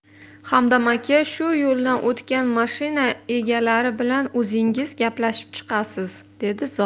hamdam aka shu yo'ldan o'tgan mashina egalari bilan o'zingiz gaplashib chiqasiz dedi zohid